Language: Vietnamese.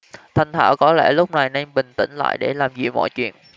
thanh thảo có lẽ lúc này nên bình tĩnh lại để làm dịu mọi chuyện